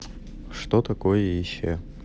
что такое еще